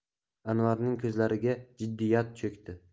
anvarning ko'zlariga jiddiyat cho'kdi